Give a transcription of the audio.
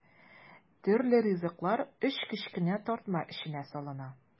Төрле ризыклар өч кечкенә тартма эченә салына.